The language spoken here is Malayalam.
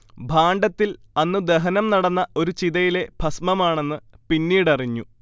ഭാണ്ഡത്തിൽ അന്ന് ദഹനം നടന്ന ഒരു ചിതയിലെ ഭസ്മമാണെന്ന് പിന്നീടറിഞ്ഞു